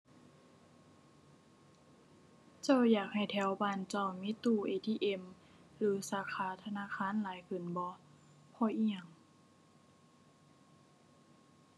เจ้าอยากให้แถวบ้านเจ้ามีตู้ ATM หรือสาขาธนาคารหลายขึ้นบ่ เพราะอิหยัง